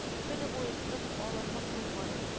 Көне буе тын алырлык булмады